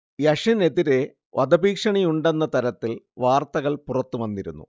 യഷിനെതിരേ വധഭീഷണിയുണ്ടെന്ന തരത്തിൽ വാർത്തകൾ പുറത്ത് വന്നിരുന്നു